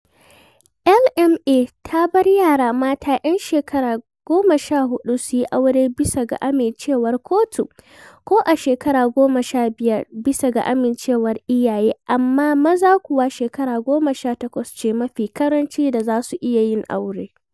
LMA ta bar yara mata 'yan shekara 14 su yi aure bisa ga amincewar kotu, ko a shekara 15 bisa ga amincewar iyaye, amma maza kuwa shekara 18 ce mafi ƙaranci da za su iya yin aure.